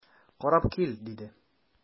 Карап кил,– диде.